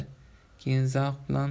keyin zavq bilan